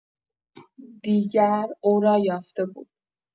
دیگر او را یافته بود.